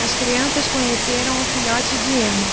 as crianças conheceram o filhote de ema